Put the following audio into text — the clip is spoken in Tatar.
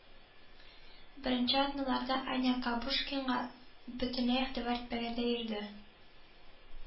Беренче атналарда Аня Кабушкинга бөтенләй игътибар итмәгәндәй йөрде